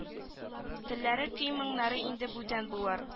Телләре көй-моңнары инде бүтән булыр